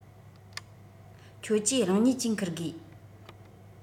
ཁྱོད ཀྱིས རང ཉིད ཀྱིས འཁུར དགོས